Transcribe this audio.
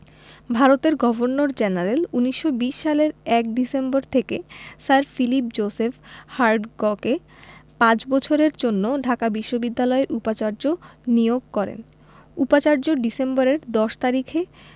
ভারতের governor general ১৯২০ সালের ১ December থেকে স্যার ফিলিপ জোসেফ হার্টগকে পাঁচ বছরের জন্য ঢাকা বিশ্ববিদ্যালয়ের উপাচার্য নিয়োগ করেন উপাচার্য ডিসেম্বরের ১০ তারিখে